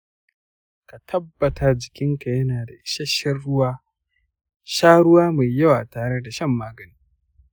ka tabbata jikinka yana da isasshen ruwa; sha ruwa mai yawa tare da shan maganin